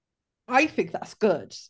I think that's good.